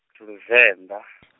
ndi Luvenḓa .